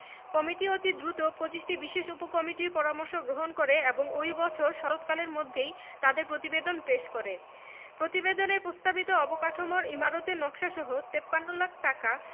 committee অতি দ্রুত ২৫টি বিশেষ উপকমিটির পরামর্শ গ্রহণ করে এবং ওই বছর শরৎকালের মধ্যেই তাদের প্রতিবেদন পেশ করে প্রতিবেদনে প্রস্তাবিত অবকাঠামোর ইমারতের নকশাসহ ৫৩ লাখ টাকা